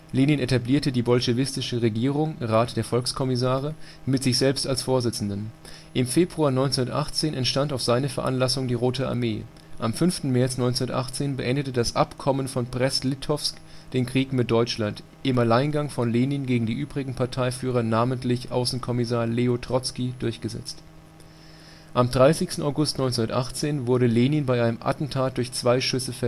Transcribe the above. Lenin etablierte die bolschewistische Regierung (Rat der Volkskommissare) mit sich selbst als Vorsitzenden. Im Februar 1918 entstand auf seine Veranlassung die Rote Armee. Am 5. März 1918 beendete das Abkommen von Brest-Litowsk den Krieg mit Deutschland, im Alleingang von Lenin gegen die übrigen Parteiführer, namentlich Außenkommissar Leo Trotzki, durchgesetzt. Am 30. August 1918 wurde Lenin bei einem Attentat durch 2 Schüsse